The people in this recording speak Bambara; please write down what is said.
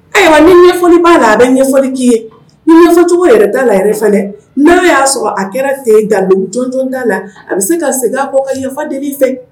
Ayiwa ni ɲɛfɔli b'a la a bɛ ɲɛfɔli k'i ye ni ɲɛfɔcogo yɛrɛ da la yɛrɛ n'a y'a sɔrɔ a kɛra fe gajjɔndaa la a bɛ se ka segin a kɔ ka yafaden fɛ